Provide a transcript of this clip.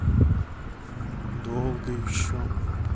долго еще